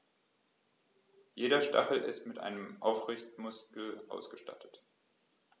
Jeder Stachel ist mit einem Aufrichtemuskel ausgestattet.